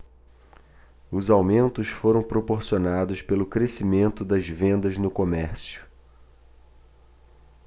os aumentos foram proporcionados pelo crescimento das vendas no comércio